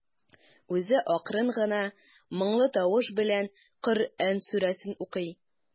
Үзе акрын гына, моңлы тавыш белән Коръән сүрәсен укый.